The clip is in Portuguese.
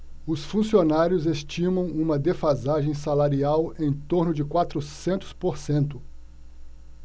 os funcionários estimam uma defasagem salarial em torno de quatrocentos por cento